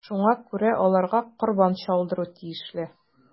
Шуңа күрә аларга корбан чалдыру тиешле.